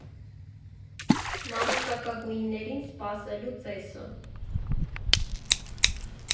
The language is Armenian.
Մանուշակագույններին սպասելու ծեսը։